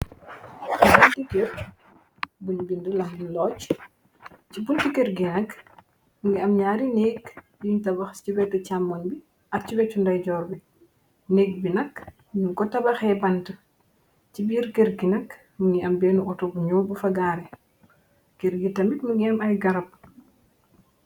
Ra ni tept buñ bind lambuñ looc ci bunti kër gi nak ngi am ñaari nekk yuñ tabax ci wet càmmon bi at ci weccu nday joor bi nekk bi nak yun ko tabaxee bant ci biir kër gi nak mungi am bennu autobu ñoo bu fa gaare kër gi tamit mu ngim ay garab.